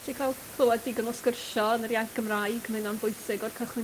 'Llu cael clywed digon o sgyrsio yn yr iaith Gymraeg ma' hyna'n bwysig o'r cychwyn